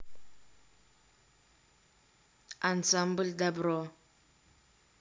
ансамбль добро